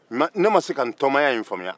ne ma se ka n tɔgɔmaya in faamuya